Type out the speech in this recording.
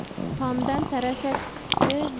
tomdan tarasha tushdi